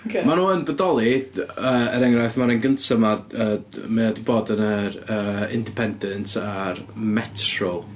Ocê!... Maen nhw yn bodoli. Yy er enghraifft, mae'r un gynta 'ma yy d- mae o 'di bod yn yr yy Independent a'r Metro.